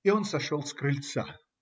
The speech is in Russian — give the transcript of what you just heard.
И он сошел с крыльца.